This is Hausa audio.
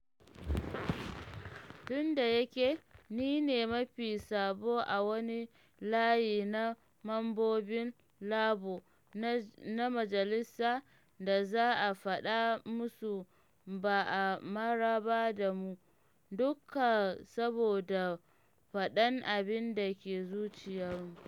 Tun da yake, ni ne mafi sabo a wani layi na mambobin Labour na majalisa da za a faɗa musu ba a maraba da mu - dukka saboda faɗan abi da ke zuciyarmu.